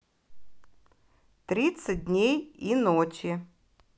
тридцать дней и ночи